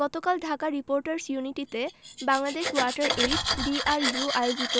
গতকাল ঢাকা রিপোর্টার্স ইউনিটিতে DRU water aid Bangladesh আয়োজিত